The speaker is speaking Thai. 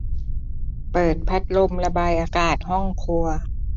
เปิดพัดลมระบายอากาศห้องครัว